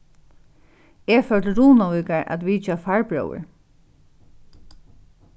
eg fór til runavíkar at vitja farbróður